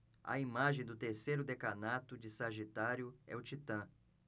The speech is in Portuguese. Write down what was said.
a imagem do terceiro decanato de sagitário é o titã